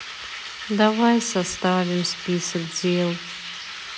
давай составим список дел